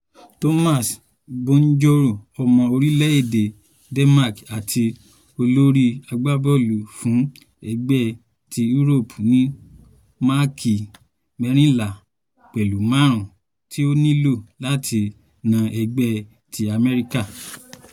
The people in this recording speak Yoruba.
Thomas Bjorn, ọmọ orílẹ̀-èdè Denmark àti olórí agbábọ́ọlù fún ẹgbẹ́ ti Úróópù ní máàkì 14.5 t’ọ́n nílò láti na ẹgbẹ́ ti Amẹ́ríkà.